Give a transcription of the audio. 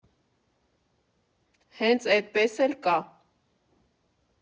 Հենց էդպես էլ կա։